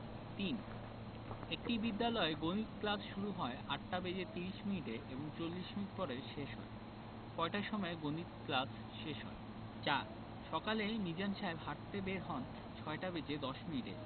৩ একটি বিদ্যালয়ে গণিত ক্লাস শুরু হয় ৮টা বেজে ২৩ মিনিটে এবং ৪০ মিনিট পরে শেষ হয় কয়টার সময় গণিত ক্লাস শেষ হয় ৪ সকালে মিজান সাহেব হাঁটতে বের হন ৬টা বেজে১০ মিনিটে